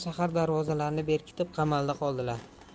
shahar darvozalarini berkitib qamalda qoldilar